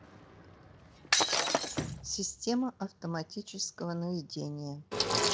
система автоматического наведения